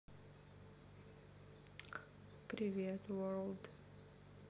привет world